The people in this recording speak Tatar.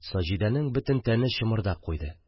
Саҗидәнең бөтен тәне чымырдап куйды.